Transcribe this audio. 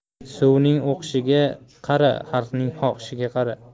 suvning oqishiga qara xalqning xohishiga qara